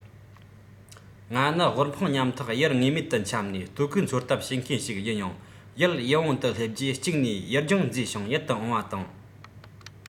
ང ནི དབུལ ཕོངས ཉམས ཐག ཡུལ ངེས མེད དུ འཁྱམས ནས ལྟོ གོས འཚོལ ཐབས བྱེད མཁན ཞིག ཡིན ཡང ཡུལ ཡིད འོང དུ སླེབས རྗེས གཅིག ནས ཡུལ ལྗོངས མཛེས ཤིང ཡིད དུ འོང བ དང